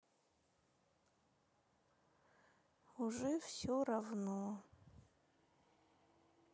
уже все равно